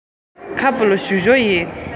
རྒྱལ པོས རང གྱི ནོར བུ དང འདྲ བའི